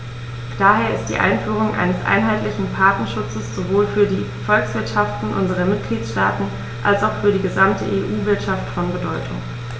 Daher ist die Einführung eines einheitlichen Patentschutzes sowohl für die Volkswirtschaften unserer Mitgliedstaaten als auch für die gesamte EU-Wirtschaft von Bedeutung.